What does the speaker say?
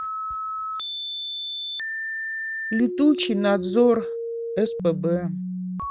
летучий надзор спб